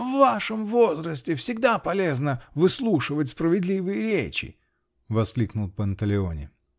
-- В вашем возрасте всегда полезно выслушивать справедливые речи !-- воскликнул Панталеоне.